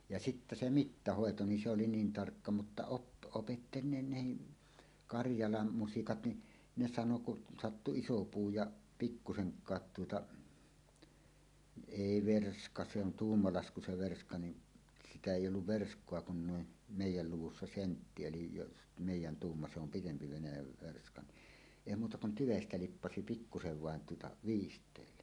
ja sitten se mittahoito niin se oli niin tarkka mutta - opetteli ne nekin Karjalan musikat niin ne sanoi kun sattui iso puu ja pikkuisenkaan tuota ei verska se on tuumalasku se verska niin sitä ei ollut verskaa kun noin meidän luvussa sentti eli jos meidän tuuma se on pidempi Venäjän verska niin ei muuta kuin tyvestä liippasi pikkusen vain tuota viisteille